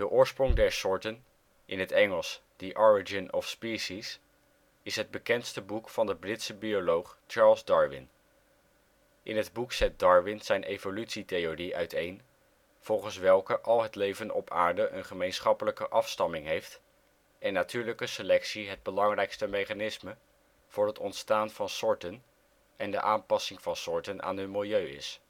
oorsprong der soorten (Engels: The Origin of Species) is het bekendste boek van de Britse bioloog Charles Darwin. In het boek zet Darwin zijn evolutietheorie uiteen, volgens welke al het leven op aarde een gemeenschappelijke afstamming heeft en natuurlijke selectie het belangrijkste mechanisme voor het ontstaan van soorten en de aanpassing van soorten aan hun milieu is